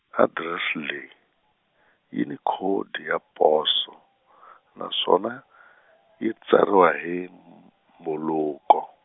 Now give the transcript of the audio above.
adirese leyi, yi ni khodi, ya poso, naswona, yi tsariwa hi m- mbhuluko.